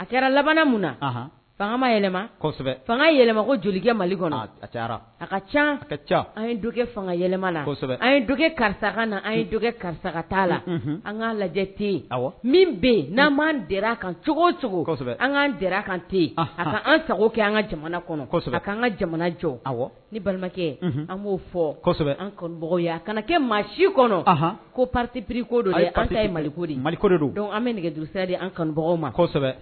A kɛra min na fanga ma yɛlɛma yɛlɛma joliya mali kɔnɔ a ka ca ka ca an fanga yɛlɛma an karisa na an ye dɔgɔ karisaka' la an ka lajɛ tɛ yen min bɛ n'an'an d a kan cogo cogo an kaan a kan tɛ a ka an sago kɛ an ka jamana kɔnɔ an ka jamana jɔ ni balimakɛ an b'o fɔ anya a kana kɛ maa si kɔnɔ ko pateprikodo an ta ye malikodi mali don dɔnku an bɛ nɛgɛurusɛ de an kanu dɔgɔ masɛbɛ